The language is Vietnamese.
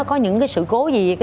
có những sự cố gì